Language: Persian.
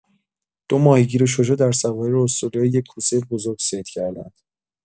دو ماهیگیر شجاع در سواحل استرالیا یک کوسه بزرگ صید کردند